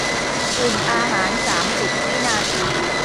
อุ่นอาหารสามสิบวินาที